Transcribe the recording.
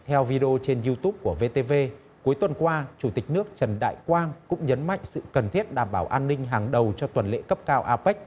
theo vi đê ô trên diu tút của vê tê vê cuối tuần qua chủ tịch nước trần đại quang cũng nhấn mạnh sự cần thiết đảm bảo an ninh hàng đầu cho tuần lễ cấp cao a pếch